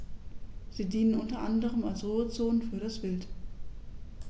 Sie dienen unter anderem als Ruhezonen für das Wild.